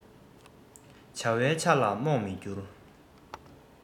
བྱ བའི ཆ ལ རྨོངས མི འགྱུར